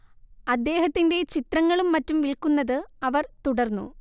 അദ്ദേഹത്തിന്റെ ചിത്രങ്ങളും മറ്റും വിൽക്കുന്നത് അവർ തുടർന്നു